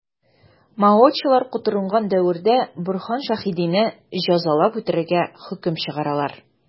Маочылар котырынган дәвердә Борһан Шәһидине җәзалап үтерергә хөкем чыгаралар.